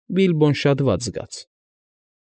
Բիլբոն շատ վատ զգաց։